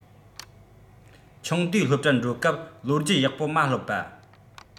ཆུང དུས སློབ གྲྭར འགྲོ སྐབས ལོ རྒྱུས ཡག པོ མ སློབ པ